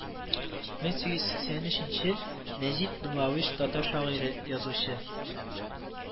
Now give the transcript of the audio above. Мең сигез йөз сиксән өченче нәҗип думави, татар шагыйре, язучы